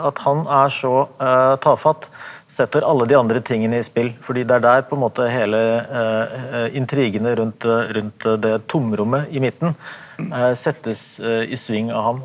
at han er så tafatt setter alle de andre tingene i spill, fordi det er der på en måte hele intrigene rundt rundt det tomrommet i midten settes i sving av ham.